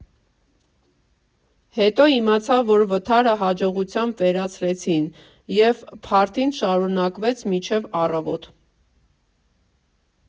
Հետո իմացա, որ վթարը հաջողությամբ վերացրեցին, և փարթին շարունակվեց մինչև առավոտ։